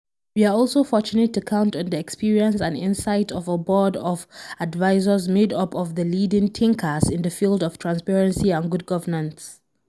We are also fortunate to count on the experience and insight of a board of advisors made up of the leading thinkers in the field of transparency and good governance.